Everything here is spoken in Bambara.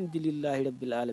N delila lahab ale